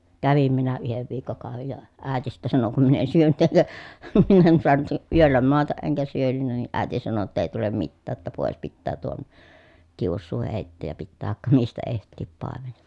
kävin minä yhden viikkokauden ja äiti sitten sanoi kun minä en syönyt enkä minä en saanut yöllä maata enkä syönyt niin äiti sanoi jotta ei tule mitään että pois pitää tuon kiusuu heittää ja pitää vaikka mistä etsiä paimen